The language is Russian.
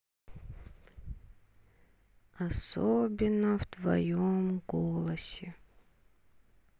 особенно в твоем голосе